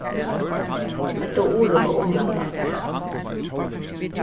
hetta urið má umvælast